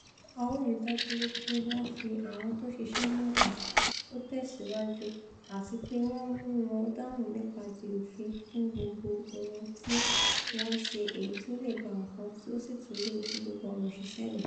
A ó ríi dájú wí pé wọn fi àwọn tóṣiṣẹ́ náà hàn,'' ó tẹ̀síwájú, ''àtipe wọ́n mú wọn dáhùn nípa ti òfin fún gbogbo ohun tíwọ́n ṣe èyití o leè ba nǹkan tí ò sì tún léwu fún gbogbo àwọn òṣìṣẹ́ mi.''